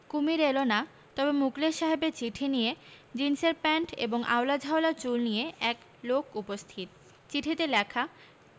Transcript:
কুমীর এল না তবে মুখলেস সাহেবের চিঠি নিয়ে জীনসের প্যান্ট এবং আউলা ঝাউলা চুল নিয়ে এক লোক উপস্থিত চিঠিতে লেখা